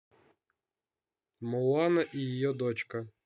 мулана и ее дочка